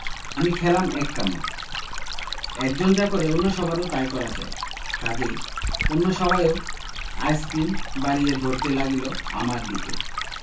আমি খেলাম এক কামড় একজন যা করে অন্য সবারও তাই করা চাই কাজেই অন্য সবাইও আইসক্রিম বাড়িয়ে ধরতে লাগিল আমার দিকে